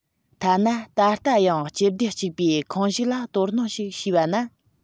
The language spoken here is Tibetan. ཐ ན ད ལྟ ཡང སྤྱི སྡེ གཅིག པའི ཁོངས ཞུགས ལ དོ སྣང ཞིག བྱས པ ན